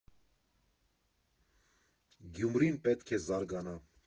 Գյումրին պետք է զարգանա։